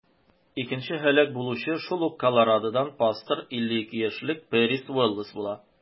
Икенче һәлак булучы шул ук Колорадодан пастор - 52 яшьлек Пэрис Уоллэс була.